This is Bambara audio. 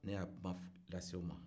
ne y'a kuma las'o ma